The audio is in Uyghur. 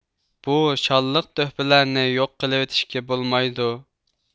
بۇ شانلىق تۆھپىلەرنى يوق قىلىۋېتىشكە بولمايدۇ